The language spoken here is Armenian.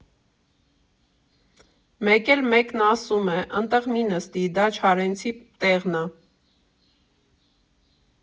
Մեկ էլ մեկն ասում է՝ ըտեղ մի նստի, դա Չարենցի տեղն ա։